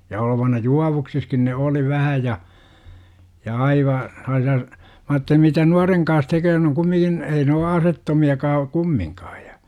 ja olevinaan juovuksissakin ne oli vähän ja ja aivan sellaisia minä ajattelin mitä nuoren kanssa tekee ne on kumminkin ei ne ole aseettomiakaan kumminkaan ja